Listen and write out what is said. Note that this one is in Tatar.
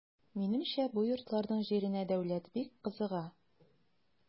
Минемчә бу йортларның җиренә дәүләт бик кызыга.